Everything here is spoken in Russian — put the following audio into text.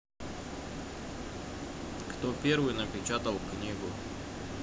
кто первый напечатал книгу